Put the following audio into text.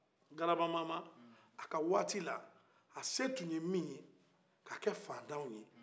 grabamama a ka waati la a se tun ye min ye ka kɛ fantanw ye